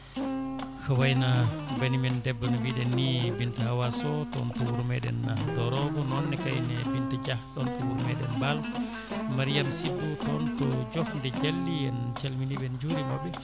ko wayno banimen debbo no mbiɗen ni Binta Hawa Sow toon to wuuro meɗen Dorobo noonne kayne Binta Dia ɗon to wuuro meɗen Mbaal Mariame Sy toon to Cofde Dially en calminiɓe en juurimaɓe